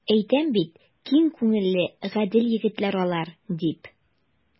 Әйтәм бит, киң күңелле, гадел егетләр алар, дип.